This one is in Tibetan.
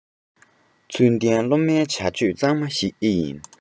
ཚུལ ལྡན སློབ མའི བྱ སྤྱོད གཙང མ ཞིག ཨེ ཡིན